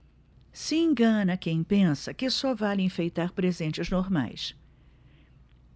se engana quem pensa que só vale enfeitar presentes normais